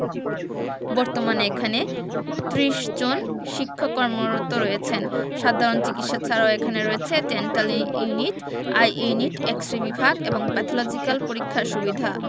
বর্তমানে এখানে ৩০ জন শিক্ষক কর্মরত রয়েছেন সাধারণ চিকিৎসা ছাড়াও এখানে রয়েছে dental unit eye unit X ray বিভাগ এবং প্যাথলজিক্যাল পরীক্ষার সুবিধা